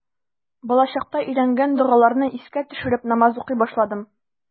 Балачакта өйрәнгән догаларны искә төшереп, намаз укый башладым.